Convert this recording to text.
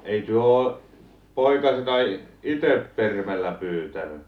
ei te ole - poikasena itse permillä pyytänyt